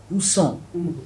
U sɔn